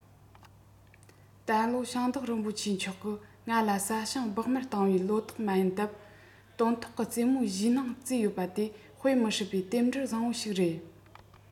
ད ལོ ཞིང བདག རིན པོ ཆེ མཆོག གི ང ལ ས ཞིང བོགས མར བཏང བའི ལོ ཏོག མ ཡིན སྟབས སྟོན ཐོག གི ཙེ མོ བཞེས གནང ཙིས ཡོད པ དེ དཔེ མི སྲིད པའི རྟེན འབྲེལ བཟང པོ ཞིག རེད